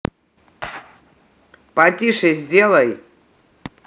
потише сделай